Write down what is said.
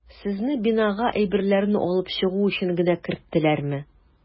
Сезне бинага әйберләрне алып чыгу өчен генә керттеләрме?